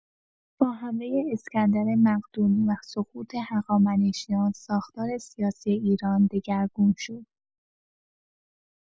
با حمله اسکندر مقدونی و سقوط هخامنشیان، ساختار سیاسی ایران دگرگون شد.